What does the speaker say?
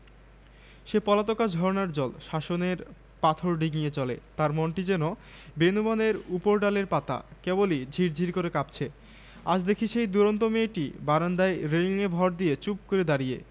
প্রায় পঁয়তাল্লিশ বছর আগে আলীজান ব্যাপারী পূরোনো মসজিদটাকে নতুন করে তুলেছিলেন ঢের টাকাকড়ি খরচ করে জাপানি আর বিলেতী নকশা করা চীনেমাটির টালি আনিয়েছিলেন